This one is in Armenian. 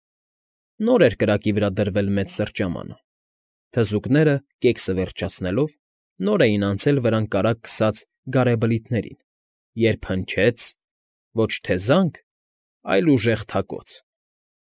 Նոր էր կրակի վրա դրվել մեծ սրճամանը, թզուկները, կեքսը վերջացնելով, նոր էին անցել վրան կարագ քսած գարեբլիթներին, երբ հնչեց … ոչ թե զանգ, այլ ուժեղ թակոց։